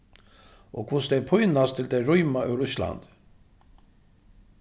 og hvussu tey pínast til tey rýma úr íslandi